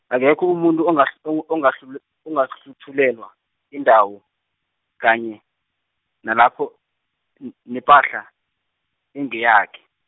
akekho umuntu ongahl- ong- ongahlu- ongahluthulelwa indawo, kanye, nalapho, n- nepahla engeyakhe.